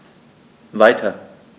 Weiter.